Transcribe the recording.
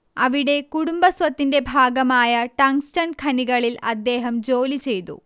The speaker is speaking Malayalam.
അവിടെ കുടുംബസ്വത്തിന്റെ ഭാഗമായ ടങ്ങ്സ്ടൻ ഖനികളിൽ അദ്ദേഹം ജോലിചെയ്തു